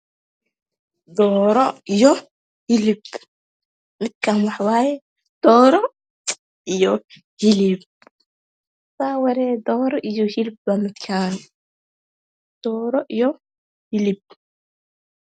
Waa doro iyo hiliib